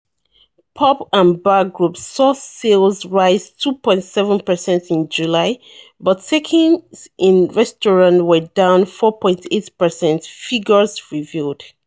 Pub and bar groups saw sales rise 2.7 per cent in July - but takings in restaurants were down 4.8 per cent, figures revealed.